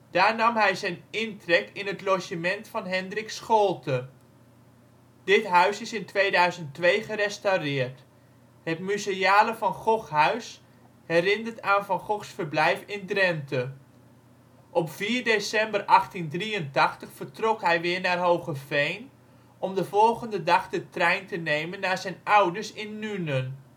Daar nam hij zijn intrek in het logement van Hendrik Scholte. Dit huis is in 2002 gerestaureerd: het museale ' Van Gogh Huis ' herinnert aan Van Goghs verblijf in Drenthe. Op 4 december 1883 vertrok hij weer naar Hoogeveen om de volgende dag de trein te nemen naar zijn ouders in Nuenen